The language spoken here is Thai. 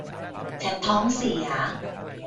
ฉันท้องเสีย